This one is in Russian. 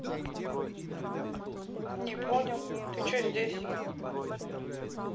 я не понял ты че здесь